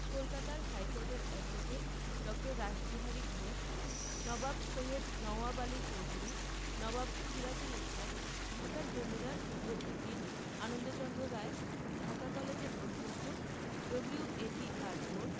কলকাতার হাইকোর্টের অ্যাডভোকেট ড. রাসবিহারী ঘোষ নবাব সৈয়দ নওয়াব আলী চৌধুরী নবাব সিরাজুল ইসলাম ঢাকার জমিদার ও উকিল আনন্দচন্দ্র রায় ঢাকা কলেজের অধ্যক্ষ ডব্লিউ.এ.টি আর্চবোল্ড